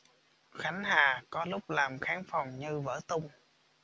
khánh hà có lúc làm khán phòng như vỡ tung